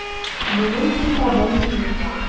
Минем китабым юк.